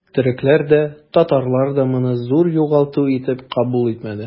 Төрекләр дә, татарлар да моны зур югалту итеп кабул итмәде.